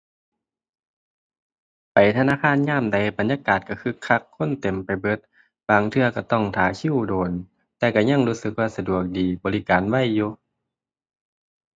ไปธนาคารยามใด บรรยากาศก็คึกคัก คนเต็มไปเบิด บางเทื่อก็ต้องท่าคิวโดน แต่ก็ยังรู้สึกว่าสะดวกดี บริการไวอยู่